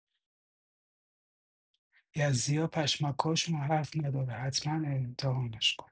یزدیا پشمکاشون حرف نداره، حتما امتحانش کن!